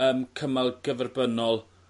yym cymal cyfrbynnol